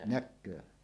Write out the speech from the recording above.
näkee